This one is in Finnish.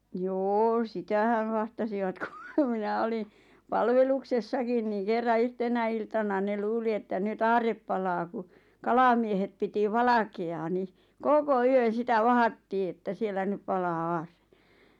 joo sitähän vahtasivat kun minä olin palveluksessakin niin kerran yhtenä iltana ne luuli että nyt aarre palaa kun kalamiehet piti valkeaa niin koko yön sitä vahdattiin että siellä nyt palaa aarre